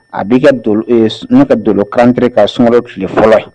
A bɛ ka n' ka don kante ka sun tile fɔlɔ